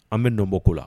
An bɛ dan bɔ ko la